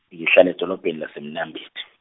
ngihlala edolobheni laseMnambithi.